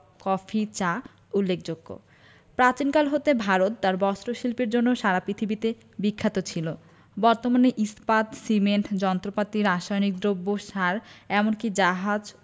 coffee চা উল্লেখযোগ্য প্রাচীনকাল হতে ভারত তার বস্ত্রশিল্পের জন্য সারা পিথিবীতে বিখ্যাত ছিল বর্তমানে ইস্পাত সিমেন্ট যন্ত্রপাতি রাসায়নিক দ্রব্য সার এমন কি জাহাজ